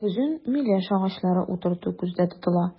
Көзен миләш агачлары утырту күздә тотыла.